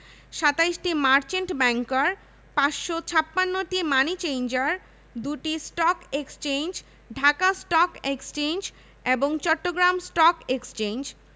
২৭টি merchant banker ৫৫৬টি money changer ২টি stock exchange Dhaka stock exchange এবং চট্টগ্রাম স্টক এক্সচেঞ্জ